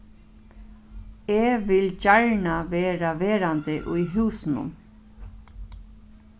eg vil gjarna verða verandi í húsunum